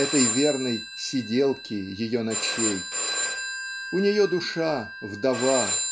этой верной "сиделки" ее ночей. У нее душа - вдова.